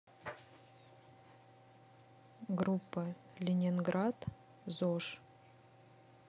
группа ленинград зож